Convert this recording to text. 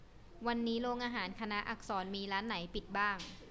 วันนี้โรงอาหารคณะอักษรมีร้านไหนปิดบ้าง